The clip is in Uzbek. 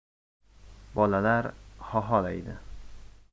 bolalar xaxolaydi